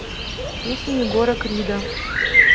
песни егора крида